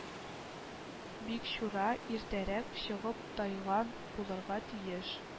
- бикчура иртәрәк чыгып тайган булырга тиеш